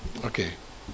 ok